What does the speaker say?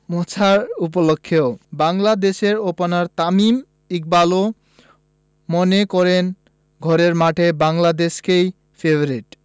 মোছার উপলক্ষও বাংলাদেশের ওপেনার তামিম ইকবালও মনে করেন ঘরের মাঠে বাংলাদেশই ফেবারিট